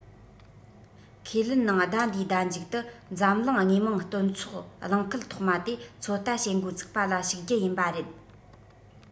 ཁས ལེན ནང ཟླ འདིའི ཟླ མཇུག ཏུ འཛམ གླིང དངོས མང སྟོན ཚོགས གླིང ཁུལ ཐོག མ དེ ཚོད ལྟ བྱེད འགོ ཚུགས པ ལ ཞུགས རྒྱུ ཡིན པ རེད